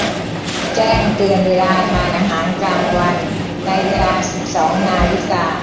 แจ้งเตือนเวลาทานอาหารกลางวันในเวลาสิบสองนาฬิกา